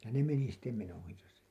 ja ne meni sitten menojansa